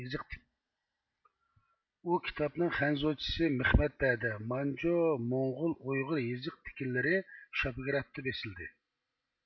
ئۇ كىتاپنىڭ خەنزۇچىسى مىخ مەتبەئەدە مانجۇ موڭغۇل ئۇيغۇر يېزىقتىكىلىرى شاپىگرافتا بېسىلدى